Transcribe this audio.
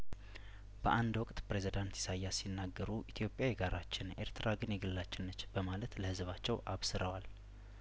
በአንድ ወቅት ፕሬዚዳንት ኢሳያስ ሲናገሩ ኢትዮጵያ የጋራችን ኤርትራ ግን የግላችን ነች በማለት ለህዝባቸው አብስረዋል